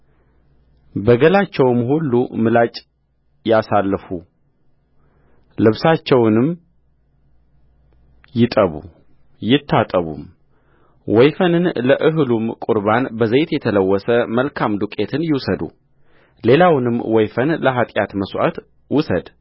በገላቸውም ሁሉ ምላጭ ያሳልፉ ልብሳቸውንም ይጠቡ ይታጠቡምወይፈንን ለእህሉም ቍርባን በዘይት የተለወሰ መልካም ዱቄትን ይውሰዱሌላውንም ወይፈን ለኃጢአት መሥዋዕት ውሰድ